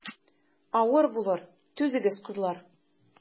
Авыр булыр, түзегез, кызлар.